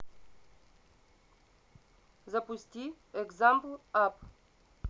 запусти экзампл ап